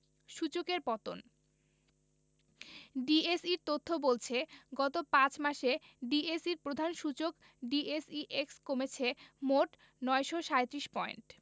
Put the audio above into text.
সূচকের পতন ডিএসইর তথ্য বলছে গত ৫ মাসে ডিএসইর প্রধান সূচক ডিএসইএক্স কমেছে মোট ৯৩৭ পয়েন্ট